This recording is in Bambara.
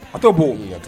A to bɔ wu.